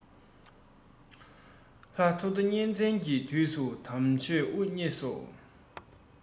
ལྷ ཐོ ཐོ གཉན བཙན གྱི དུས སུ དམ ཆོས དབུ བརྙེས སོ